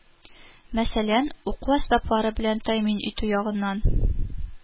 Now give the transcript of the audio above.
Мәсәлән, уку әсбаплары белән тәэмин итү ягыннан